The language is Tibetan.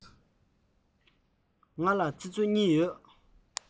ང ལ ཚིག མཛོད གཉིས ཡོད